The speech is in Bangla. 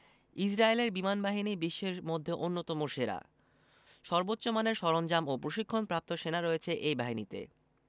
ইসরায়েলের বিমানবাহিনী বিশ্বের মধ্যে অন্যতম সেরা সর্বোচ্চ মানের সরঞ্জাম ও প্রশিক্ষণপ্রাপ্ত সেনা রয়েছে এ বাহিনীতে